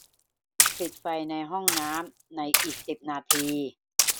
ปิดไฟในห้องน้ำในอีกสิบนาที